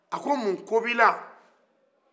a ko mun ko bɛ i la